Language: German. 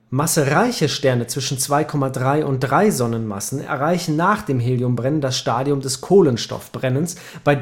Massereiche Sterne zwischen 2,3 und 3 Sonnenmassen erreichen nach dem Heliumbrennen das Stadium des Kohlenstoffbrennens, bei